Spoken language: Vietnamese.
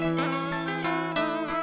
hãy